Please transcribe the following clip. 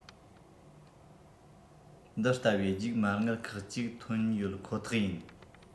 འདི ལྟ བུའི རྒྱུག མ དངུལ ཁག གཅིག ཐོན ཡོད ཁོ ཐག ཡིན